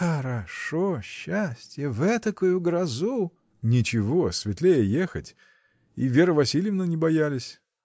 — Хорошо счастье — в этакую грозу. — Ничего, светлее ехать. И Вера Васильевна не боялись.